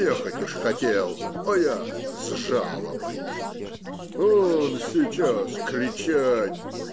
Ехать уж хотел, а я с жалобой. Он сейчас кричать.